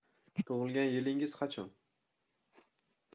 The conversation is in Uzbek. tug'ilgan yilingiz qachon